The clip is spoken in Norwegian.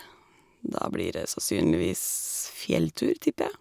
Da blir det sannsynligvis fjelltur, tipper jeg.